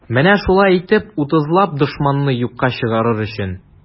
Менә шулай итеп, утызлап дошманны юкка чыгарыр өчен.